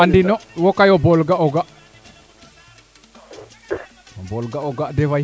andi no wokay o bool ga'o ga o bool ga'o ga de Faye